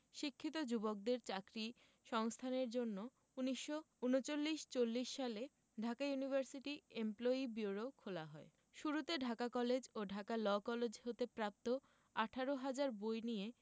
শিক্ষিত যুবকদের চাকরি সংস্থানের জন্য ১৯৩৯ ৪০ সালে ঢাকা ইউনিভার্সিটি ইমপ্লয়ি বিউরো খোলা হয় শুরুতে ঢাকা কলেজ ও ঢাকা ল কলেজ হতে প্রাপ্ত ১৮ হাজার বই নিয়ে